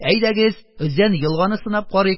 Әйдәгез Өзән елганы сынап карыйк..